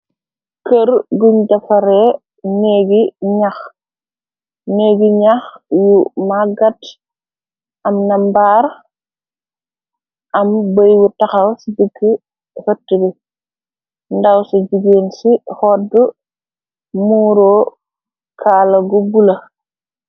Kër guñ dafare nek ngi ñax yu maggat am na mbaar am bëy wu taxaw ci digih hëtti bi ndaw ci jigéen ci hoddu muuro kala gu bula.